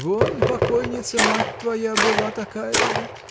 Вон, покойница мать твоя была такая же.